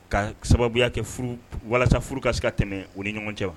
Ka sababu y'a kɛ walasa furu ka seiga tɛmɛ o ni ɲɔgɔn cɛ wa